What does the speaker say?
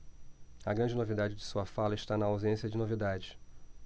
a grande novidade de sua fala está na ausência de novidades